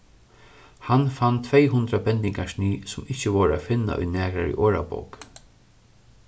hann fann tvey hundrað bendingarsnið sum ikki vóru at finna í nakrari orðabók